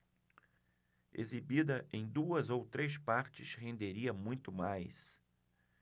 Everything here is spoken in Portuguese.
exibida em duas ou três partes renderia muito mais